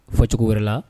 Ko fɔcogo wɛrɛ la